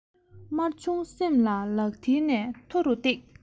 དམར ཆུང སེམས པ ལག མཐིལ ནས མཐོ རུ བཏེགས